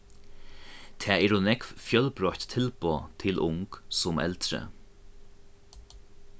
tað eru nógv fjølbroytt tilboð til ung sum eldri